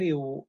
criw